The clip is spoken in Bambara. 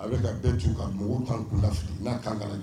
A bɛ bɛɛ ju ka mɔgɔw kan kun n'a kan ka